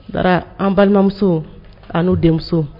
Taara an balimamuso ani'u denmuso